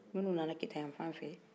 minun nana kita yan fanfɛ